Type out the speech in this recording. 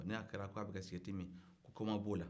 n'a kɛra k'a bɛka sigarɛti min ko ko ma b o la